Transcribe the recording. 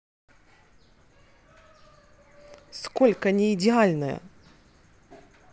сколько неидеальная